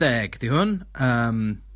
...deg 'di hwn yym...